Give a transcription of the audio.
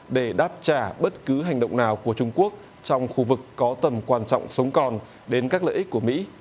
để đáp trả bất cứ hành động nào của trung quốc trong khu vực có tầm quan trọng sống còn đến các lợi ích của mỹ